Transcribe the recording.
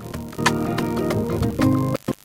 San